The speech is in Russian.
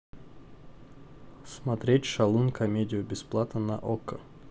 смотреть шалун комедию бесплатно на окко